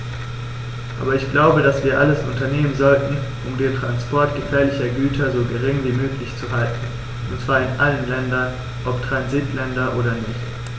Aber ich glaube, dass wir alles unternehmen sollten, um den Transport gefährlicher Güter so gering wie möglich zu halten, und zwar in allen Ländern, ob Transitländer oder nicht.